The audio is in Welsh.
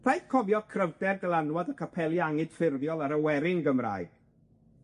Rhaid cofio cryfder dylanwad y capeli angydffurfiol ar y werin Gymraeg.